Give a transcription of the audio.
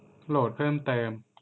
โหลดเพิ่มเติม